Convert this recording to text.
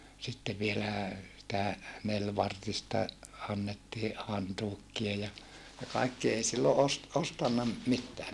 sitten vielä sitä nelivartista annettiin hantuukia ja ja kaikki ei silloin - ostanut - mitään